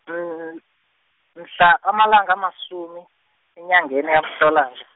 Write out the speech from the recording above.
mhla amalanga amasumi, enyangeni kaMhlolanja.